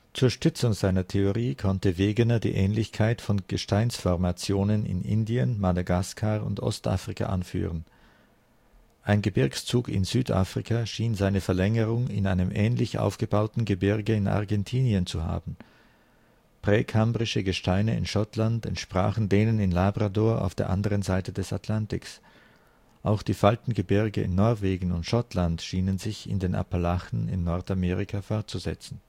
Zur Stützung seiner Theorie konnte Wegener die Ähnlichkeit von Gesteinsformationen in Indien, Madagaskar und Ostafrika anführen. Ein Gebirgszug in Südafrika schien seine Verlängerung in einem ähnlich aufgebauten Gebirge in Argentinien zu haben. Präkambrische Gesteine in Schottland entsprachen denen in Labrador auf der anderen Seite des Atlantiks. Auch die Faltengebirge in Norwegen und Schottland schienen sich in den Appalachen in Nordamerika fortzusetzen